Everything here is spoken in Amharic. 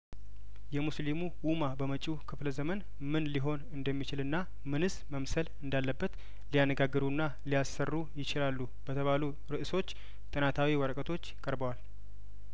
የሙስሊሙ ኡማ በመጪው ክፍለ ዘመን ምን ሊሆን እንደሚችልና ምንስ መምሰል እንዳለበት ሊያነጋግሩና ሊያሰሩ ይችላሉ በተባሉ ርእሶች ጥናታዊ ወረቀቶች ቀርበዋል